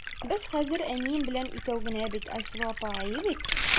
Без хәзер әнием белән икәү генә бит, Айсылу апа, әйе бит?